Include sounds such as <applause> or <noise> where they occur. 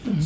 <hesitation> <hesitation>